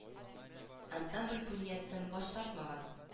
Ансамбль бу нияттән баш тартмаган